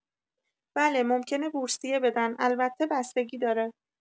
بله ممکنه بورسیه بدن، البته بستگی داره